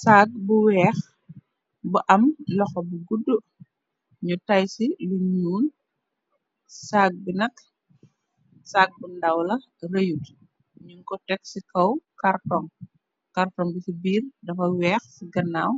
Sag bu wèèx bu am loxo bu guddu ñi taysi lu ñuul, sag bi nak sag bu ndaw la rayut. Ñing ko tek ci kaw karton, karton bi si biir dafa wèèx si ganaw